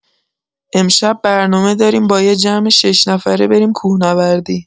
امشب برنامه داریم با یه جمع شش‌نفره بریم کوه‌نوردی.